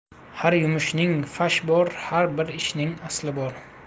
har yumushning fash bor har bir ishning asli bor